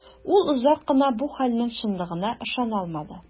Ул озак кына бу хәлнең чынлыгына ышана алмады.